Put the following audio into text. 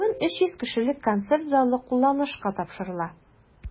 Бүген 300 кешелек концерт залы кулланылышка тапшырыла.